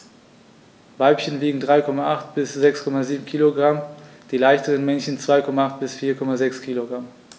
Weibchen wiegen 3,8 bis 6,7 kg, die leichteren Männchen 2,8 bis 4,6 kg.